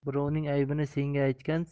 birovning aybini senga aytgan